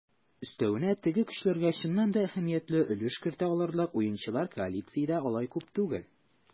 Өстәвенә, тере көчләргә чыннан да әһәмиятле өлеш кертә алырлык уенчылар коалициядә алай күп түгел.